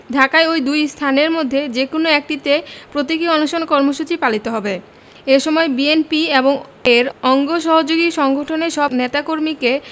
ঢাকায় ওই দুই স্থানের মধ্যে যেকোনো একটিতে প্রতীকী অনশন কর্মসূচি পালিত হবে এ সময় বিএনপি এবং এর অঙ্গ সহযোগী সংগঠনের সব নেতাকর্মীকে